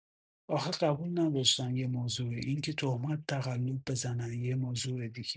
آخه قبول نداشتن یه موضوعه، اینکه تهمت تقلب بزنن یه موضوع دیگه